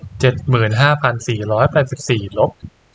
เจ็ดหมื่นห้าพันสี่ร้อยแปดสิบสี่ลบ